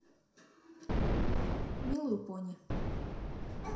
милую пони